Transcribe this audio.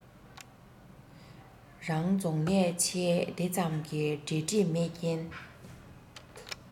རང རྫོང ལས ཕྱི དེ ཙམ གྱི འབྲེལ འདྲིས མེད རྐྱེན